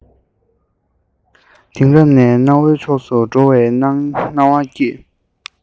དེང རབས ནས གནའ བོའི ཕྱོགས སུ འགྲོ བའི སྣང བ སྐྱེས